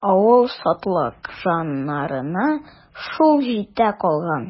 Авыл сатлыкҗаннарына шул җитә калган.